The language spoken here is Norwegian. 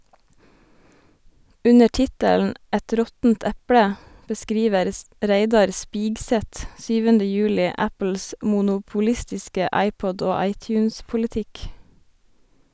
Under tittelen "Et råttent eple" beskriver Reidar Spigseth 7. juli Apples monopolistiske iPod- og iTunes-politikk.